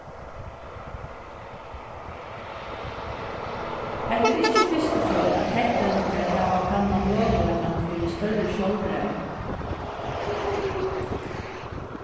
hetta er ikki fyrstu ferð at hetlendingar hava kannað møguleikan fyri størri sjálvræði